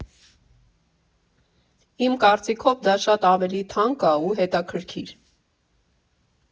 Իմ կարծիքով դա շատ ավելի թանկ ա ու հետաքրքիր։